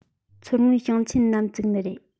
མཚོ སྔོན ཞིང ཆེན ནམ བཙུགས ནི རེད